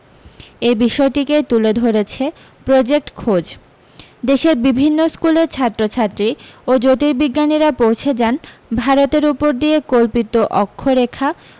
এই বিষয়টিকে তুলে ধরেছে প্রজেক্ট খোঁজ দেশের বিভিন্ন স্কুলের ছাত্রছাত্রী ও জ্যোতীর্বিজ্ঞানীরা পৌঁছে যান ভারতের উপর দিয়ে কল্পিত অক্ষরেখা